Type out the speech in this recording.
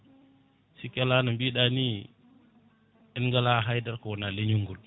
sikki ala no mbiɗani en gala hanydara ko wona leñol ngol